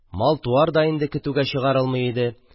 Мал-туар да инде көтүгә чыгарылмый иде.